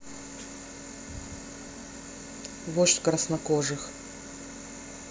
вождь краснокожих